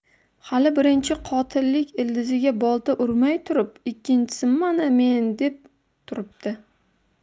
hali birinchi qotillik ildiziga bolta urmay turib ikkinchisi mana men deb turibdi